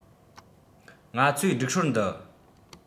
ང ཚོའི སྒྲིག སྲོལ འདི